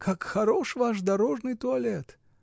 — Как хорош ваш дорожный туалет!